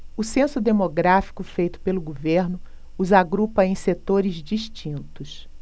o censo demográfico feito pelo governo os agrupa em setores distintos